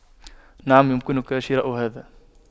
نعم يمكنك شراء هذا